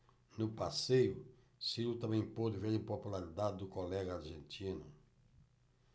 no passeio ciro também pôde ver a impopularidade do colega argentino